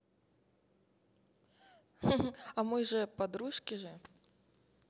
а мы же подружки же